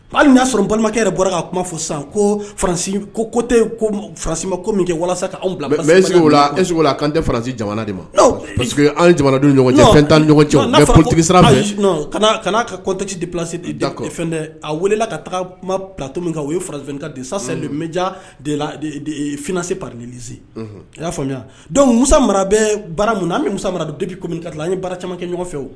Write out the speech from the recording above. Hali y'a sɔrɔ balimakɛ yɛrɛ bɔra k kaa kuma fɔ sa ko ko kotɛ farasi ko min kɛ walasa bila kan tɛransi jamana de ma parce que an jamana fɛn kana katɛti di plasi de da fɛn a welela ka taga kumato min o ye farafɛn ka disa bɛja de fse pae i y'a faamuya dɔn mu mara bɛ bara min an bɛ mu mara ka an ye baara caman kɛ ɲɔgɔn fɛ o